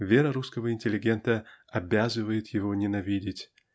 Вера русского интеллигента обязывает его ненавидеть